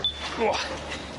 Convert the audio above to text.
O!